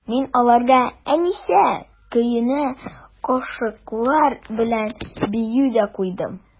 Мин аларга «Әнисә» көенә кашыклар белән бию дә куйдым.